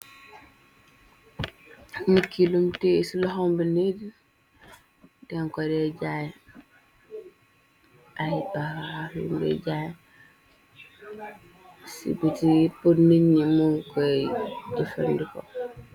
Nikk lumtee ci luxamba nee denkore jaay ay bararyumbe jaay ci buti pur niñi mogoy jëfandiko.